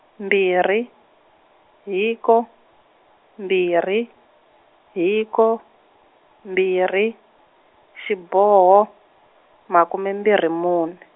mbirhi, hiko, mbirhi, hiko, mbirhi, xiboho, makume mbirhi mune.